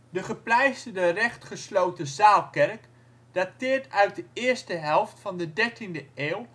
De gepleisterde rechtgesloten zaalkerk dateert uit de eerste helft van de dertiende eeuw